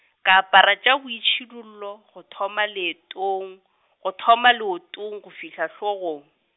ka apara tša boitšhidullo go thoma leetong, go thoma leotong go fihla hlogong.